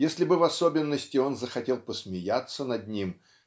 если бы в особенности он захотел посмеяться над ним